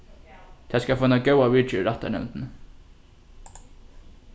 tað skal fáa eina góða viðgerð í rættarnevndini